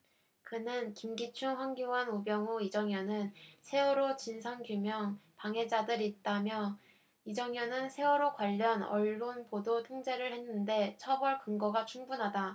그는 김기춘 황교안 우병우 이정현은 세월호 진상규명 방해자들이다며 이정현은 세월호 관련 언론보도 통제를 했는데 처벌 근거가 충분하다